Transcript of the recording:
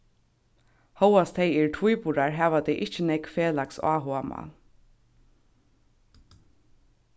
hóast tey eru tvíburar hava tey ikki nógv felags áhugamál